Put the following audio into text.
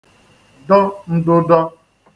dọ n̄dụ̄dọ̄